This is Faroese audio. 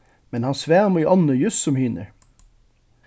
men hann svam í ánni júst sum hinir